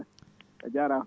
a jarama